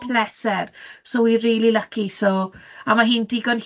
...absolute pleser, so we're really lucky so a ma' hi'n digon